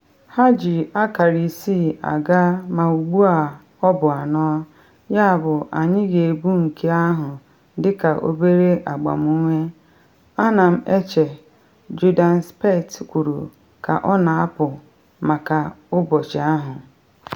“Ha ji akara isii aga ma ugbu a ọ bụ anọ, yabụ anyị ga-ebu nke ahụ dịka obere agbamume, a na m eche,” Jordan Spieth kwuru ka ọ na-apụ maka ụbọchị ahụ.